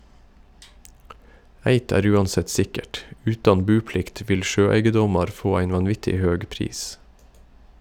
Eitt er uansett sikkert, utan buplikt vil sjøeigedomar få ein vanvittig høg pris.